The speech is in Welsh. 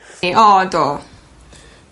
O do!